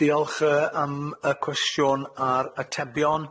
Diolch yy am y cwestiwn a'r atebion.